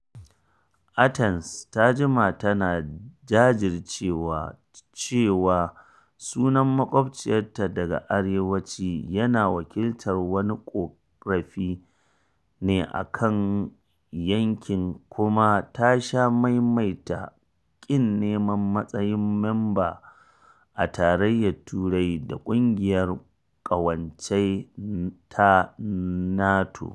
Athens ta jima tana jajircewa cewa sunan makwaɓciyarta daga arewaci yana wakiltar wani ƙorafi ne a kan yankinta kuma ta sha maimaita ƙin neman matsayin mamba a Tarayyar Turai da Ƙungiyar Ƙawance ta NATO.